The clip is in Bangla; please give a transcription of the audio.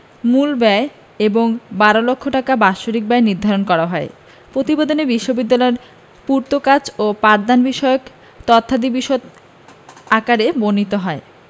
মূল ব্যয় এবং ১২ লাখ টাকা বাৎসরিক ব্যয় নির্ধারণ করা হয় প্রতিবেদনে বিশ্ববিদ্যালয়ের পূর্তকাজ ও পাঠদানবিষয়ক তথ্যাদি বিশদ আকারে বর্ণিত হয়